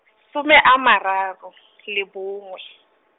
some a mararo, le bongwe.